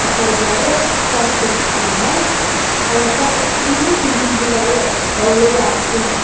Мәкаләләре тәнкыйтьләнә, аларда экстремизм билгеләре барлыгы әйтелә.